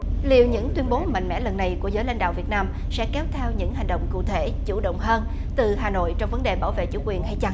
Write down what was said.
liệu những tuyên bố mạnh mẽ lần này của giới lãnh đạo việt nam sẽ kéo theo những hành động cụ thể chủ động hơn từ hà nội trong vấn đề bảo vệ chủ quyền hay chăng